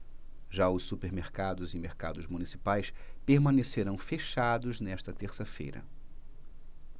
já os supermercados e mercados municipais permanecerão fechados nesta terça-feira